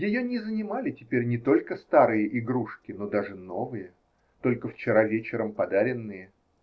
Ее не занимали теперь не только старые игрушки, но даже новые, только вчера вечером подаренные.